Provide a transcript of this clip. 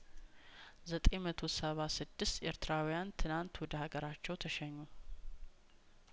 ዘጠኝ መቶ ሰባ ስድስት ኤርትራውያን ትናንት ወደ ሀገራቸው ተሸኙ